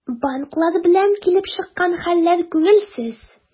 Банклар белән килеп чыккан хәлләр күңелсез.